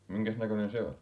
minkäs näköinen se oli